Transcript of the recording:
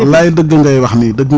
wallaay dëgg ngay wax nii dëgg